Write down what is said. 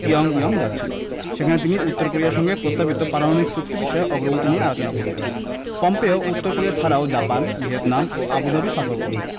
পিয়ংইয়ং যাচ্ছেন সেখানে তিনি উত্তর কোরিয়ার সঙ্গে প্রস্তাবিত পারমাণবিক চুক্তি বিষয়ে অগ্রগতি নিয়ে আলোচনা করবেন পম্পেও উত্তর কোরিয়া ছাড়াও জাপান ভিয়েতনাম ও আবুধাবি সফর করবেন